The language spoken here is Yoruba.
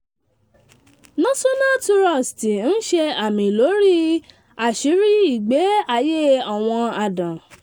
National Trust ń ṣe amí lórí i àṣírí ìgbé ayé àwọn àdán